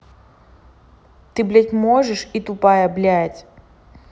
ты блядь можешь и тупая блядь